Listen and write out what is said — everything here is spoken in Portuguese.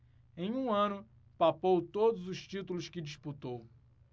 em um ano papou todos os títulos que disputou